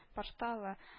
Порталы